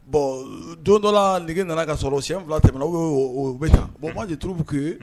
Bɔn don dɔ nɛgɛge nana ka sɔrɔ sɛyɛn fila tɛmɛna o bɛ bon' deurubuku